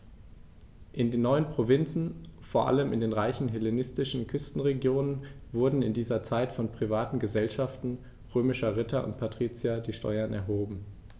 In den neuen Provinzen, vor allem in den reichen hellenistischen Küstenregionen, wurden in dieser Zeit von privaten „Gesellschaften“ römischer Ritter und Patrizier die Steuern erhoben.